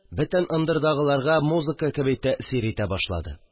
Бөтен ындырдагыларга музыка кеби тәэсир итә башлады